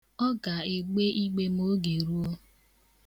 Ọ ga-egbe igbe ma oge ruo.